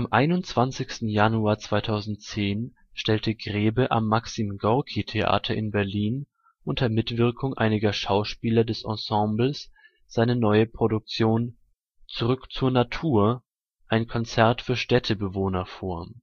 21. Januar 2010 stellte Grebe am Maxim-Gorki-Theater in Berlin unter Mitwirkung einiger Schauspieler des Ensembles seine neue Produktion Zurück zur Natur. Ein Konzert für Städtebewohner vor